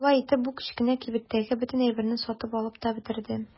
Шулай итеп бу кечкенә кибеттәге бөтен әйберне сатып алып та бетерде.